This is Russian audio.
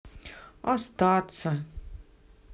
остаться